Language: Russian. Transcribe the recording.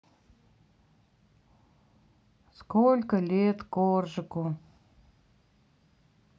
сколько лет коржику